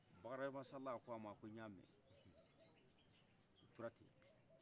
bakari hama sala k'ama ko ɲamɛ a tora ten